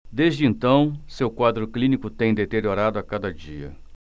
desde então seu quadro clínico tem deteriorado a cada dia